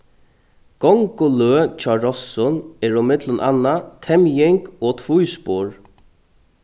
gonguløg hjá rossum eru millum annað temjing og tvíspor